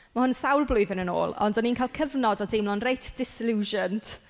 Ma' hwn yn sawl blwyddyn yn ôl ond o'n i'n cael cyfnod o deimlo'n reit disillusioned.